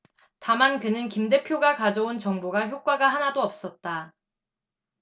다만 그는 김 대표가 가져온 정보가 효과가 하나도 없었다